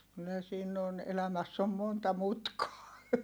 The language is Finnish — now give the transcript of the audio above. kyllä siinä on elämässä on monta mutkaa